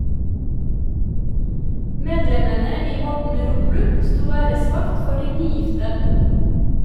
Medlemmene i Horten roklubb sto æresvakt for de nygifte.